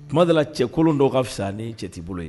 Kuma dala la cɛkolon dɔw ka fisa ni cɛ tɛ bolo ye